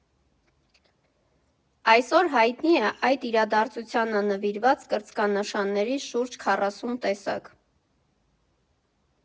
Այսօր հայտնի է այդ իրադարձությանը նվիրված կրծքանշանների շուրջ քառասուն տեսակ։